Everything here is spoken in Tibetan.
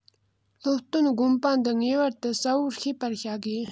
སློབ སྟོན དགོངས པ འདི ངེས པར དུ གསལ པོར ཤེས པར བྱ དགོས